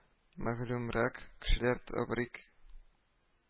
Мәгълүмрәк кешеләр тәбрик